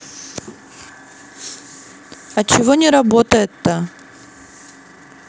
а чего не работает то